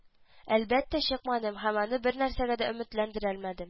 Әлбәттә чыкмадым һәм аны бернәрсәгә дә өметләндермәдем